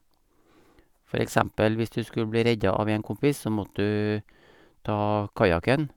For eksempel hvis du skulle bli reddet av en kompis, så måtte du ta kajaken...